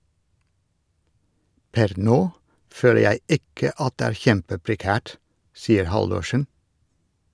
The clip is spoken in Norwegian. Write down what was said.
Per nå føler jeg ikke at det er kjempeprekært, sier Haldorsen.